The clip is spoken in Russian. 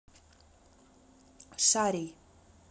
шарий